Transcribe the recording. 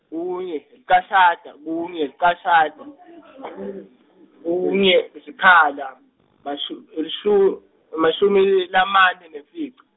kunye lichashata kunye lichashata kunye yisikhila mashu- lishu- mashumi mane nemfica.